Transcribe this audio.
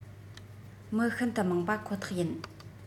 མི ཤིན ཏུ མང པ ཁོ ཐག ཡིན